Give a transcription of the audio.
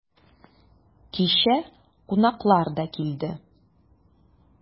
Кичә кунаклар да килде.